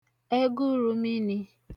ẹgụrū minī